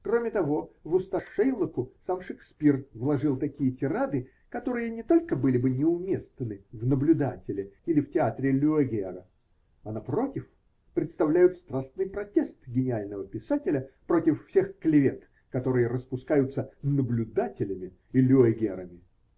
кроме того, в уста Шейлоку сам Шекспир вложил такие тирады, которые не только были бы неуместны в "Наблюдателе" или в театре Люэгера, а, напротив, представляют страстный протест гениального писателя против всех клевет, которые распускаются "наблюдателями" и Люэгерами.